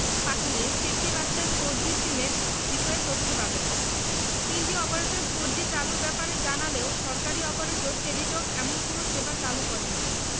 পাঠালে ফিরতি বার্তায় ফোরজি সিমের বিষয়ে তথ্য পাবেন তিনটি অপারেটর ফোরজি চালুর ব্যাপারে জানালেও সরকারি অপারেটর টেলিটক এমন কোনো সেবা চালু করেনি